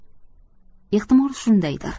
ehtimol shundaydir